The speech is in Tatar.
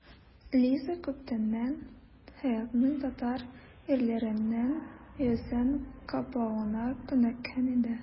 Лиза күптәннән Хәятның татар ирләреннән йөзен каплавына күнеккән иде.